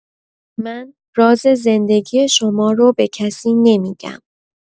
من راز زندگی شما رو به کسی نمی‌گم